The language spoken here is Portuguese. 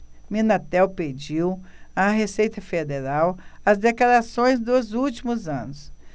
minatel pediu à receita federal as declarações dos últimos anos